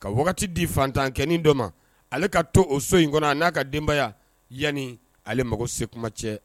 Ka wagati di fantan kɛin dɔ ma ale ka to o so in kɔnɔ a n'a ka denbaya yanani ale mago sekuma cɛ